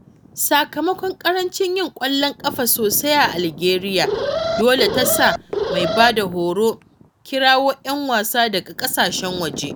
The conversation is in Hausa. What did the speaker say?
Sakamakon ƙarancin yin ƙwallon ƙafa sosai a Algeria, dole ta sa mai ba da horo kirawo 'yan wasa daga ƙasashen waje